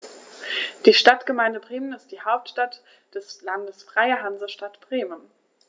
Die Stadtgemeinde Bremen ist die Hauptstadt des Landes Freie Hansestadt Bremen.